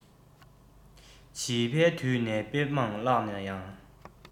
བྱིས པའི དུས ནས དཔེ མང བཀླགས ན ཡང